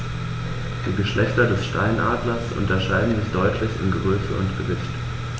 Die Geschlechter des Steinadlers unterscheiden sich deutlich in Größe und Gewicht.